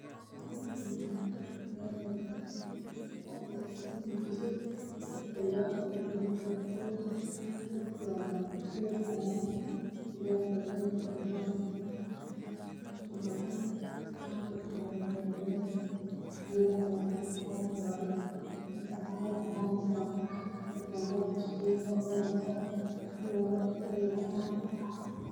Waa meel maqaayad oo barxad ah waxaa ii muuqda daba qaad dheer raacdaan ah dhulka wareeg cagaar